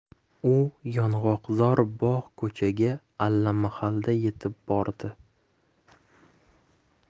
u yong'oqzor bog' ko'chaga allamahalda yetib bordi